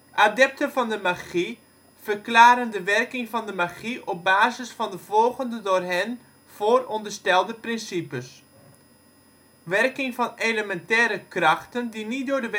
Adepten van de magie verklaren de werking van de magie op basis van de volgende door hen vooronderstelde principes: werking van elementaire krachten die niet door de